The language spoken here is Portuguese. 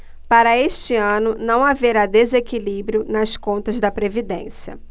para este ano não haverá desequilíbrio nas contas da previdência